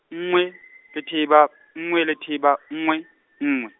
nngwe, letheba, nngwe, letheba, nngwe, nngwe.